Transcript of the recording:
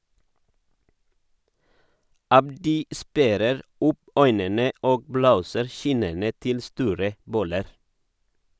Abdi sperrer opp øynene og blåser kinnene til store boller.